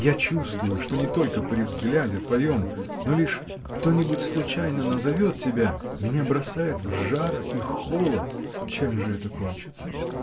Я чувствую, что не только при взгляде твоем, но лишь — кто-нибудь случайно назовет тебя — меня бросает в жар и холод. — Чем же это кончится?